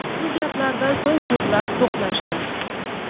shu gaplardan so'ng ko'zlar to'qnashdi